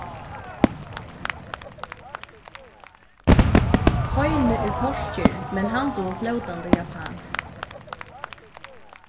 heini úr porkeri men hann dugir flótandi japanskt